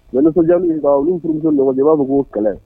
Don nisɔndiya olu furu ɲɔgɔn b'a fɔ'o kɛlɛ